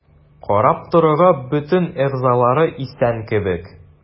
Карап торуга бөтен әгъзалары исән кебек.